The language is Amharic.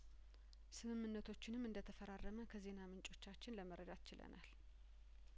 ስምምነቶችንም እንደተፈራረመ ከዜና ምንጮቻችን ለመረዳት ችለናል